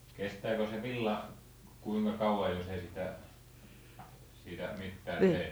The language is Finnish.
kestääkö se villa kuinka kauan jos ei sitä siitä mitään tee